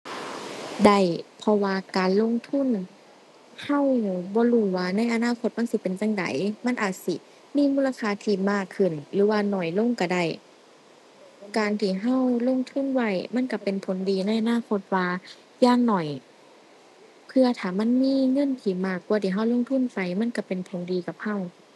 ได้ เพราะว่าการลงทุน เราบ่รู้ว่าในอนาคตมันสิเป็นจั่งใด มันอาจสิมีมูลค่าที่มากขึ้น หรือว่าน้อยลงเราได้ การที่เราลงทุนไว้ มันเราเป็นผลดีในอนาคตว่า อย่างน้อยเพื่อถ้ามันมีเงินที่มากกว่าที่เราลงทุนไป มันเราเป็นผลดีกับเรา